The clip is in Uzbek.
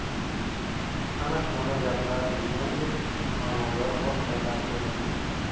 ana shunaqa gaplar degandek manodor bosh chayqab qo'yadi